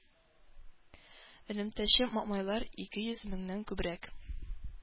Элемтәче маэмайлар ике йөз меңнән күбрәк